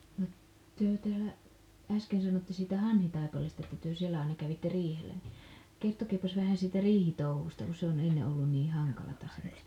no te täällä äsken sanotte siitä Hanhitaipaleesta että te siellä aina kävitte riihellä niin kertokaapa vähän siitä riihitouhusta kun se on ennen ollut niin hankalaa semmoista